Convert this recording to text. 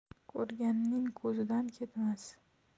ko'rganning ko'zidan ketmas